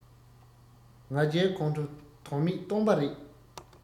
ང རྒྱལ ཁོང ཁྲོ དོན མེད སྟོང པ རེད